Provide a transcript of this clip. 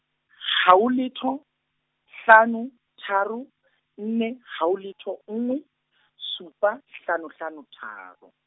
haho letho, hlano, tharo , nne haho letho nngwe, supa hlano hlano tharo.